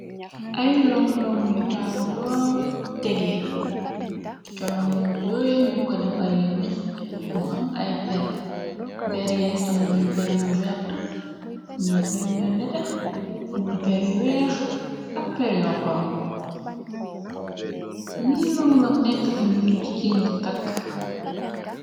Ay long long yu taaru lool tegee ce long loŋg yooyo ñyung ko defare weñ moo am ay peer am nayu peer yu werte am na peer yu nete am na yu weex ak peer yu xonxo yi long loŋg nekk na yuy jigéen di takk.